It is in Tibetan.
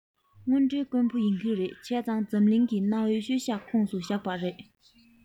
དངོས འབྲེལ དཀོན པོ ཡིན གྱི རེད བྱས ཙང འཛམ གླིང གི གནའ བོའི ཤུལ བཞག ཁོངས སུ བཞག པ རེད